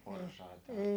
porsaitaa